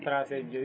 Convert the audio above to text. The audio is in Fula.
tracé ji joyyi